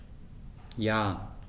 Ja.